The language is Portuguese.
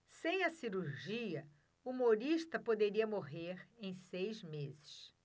sem a cirurgia humorista poderia morrer em seis meses